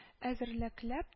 Эзерлекләп